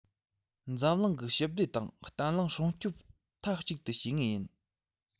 འཛམ གླིང གི ཞི བདེ དང བརྟན ལྷིང སྲུང སྐྱོང མཐའ གཅིག ཏུ བྱེད ངེས ཡིན